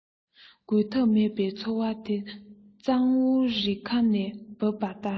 རྒོལ ཐབས མེད པའི ཚོར བ དེ གཙང བོ རི ཁ ནས འབབ པ ལྟར རེད